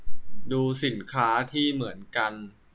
ดูสินค้าที่เหมือนกัน